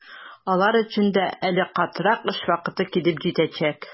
Алар өчен дә әле катырак эш вакыты килеп җитәчәк.